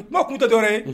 Kuma kun tɛ tɔɔrɔ ye